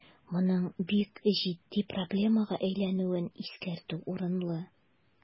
Моның бик җитди проблемага әйләнүен искәртү урынлы.